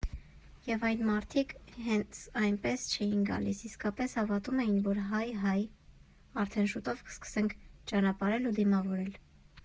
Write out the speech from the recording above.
Եվ այդ մարդիկ հենց էնպես չէին գալիս, իսկապես հավատում էին, որ հայ֊հայ, արդեն շուտով կսկսենք ճանապարհել ու դիմավորել։